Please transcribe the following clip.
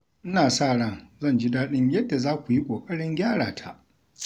Ina sa ran zan ji daɗin yadda za ku yi ƙoƙarin gyara ta.